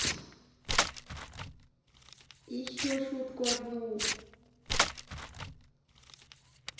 еще шутку одну